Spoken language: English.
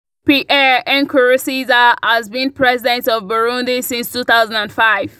Pierre Nkurunziza has been president of Burundi since 2005.